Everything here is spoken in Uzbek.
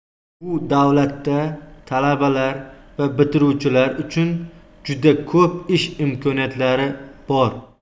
bu davlatda talabalar va bitiruvchilar uchun juda ko'p ish imkoniyatlari bor